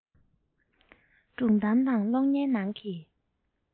སྒྲུང གཏམ དང གློག བརྙན ནང གི